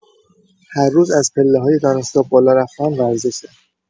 هرروز از پله‌های دانشگاه بالا رفتن ورزشه